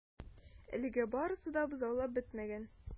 Әлегә барысы да бозаулап бетмәгән.